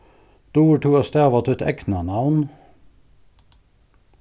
dugir tú at stava títt egna navn